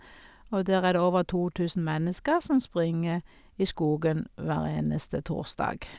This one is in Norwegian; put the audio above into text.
Og der er det over to tusen mennesker som springer i skogen hver eneste torsdag.